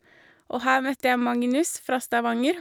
Og her møtte jeg Magnus fra Stavanger.